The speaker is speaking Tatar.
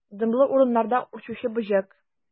Дымлы урыннарда үрчүче бөҗәк.